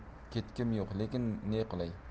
ketkim yo'q lekin neqilay